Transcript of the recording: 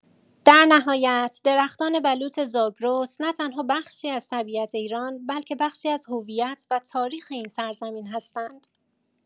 در نهایت، درختان بلوط زاگرس نه‌تنها بخشی از طبیعت ایران، بلکه بخشی از هویت و تاریخ این سرزمین هستند.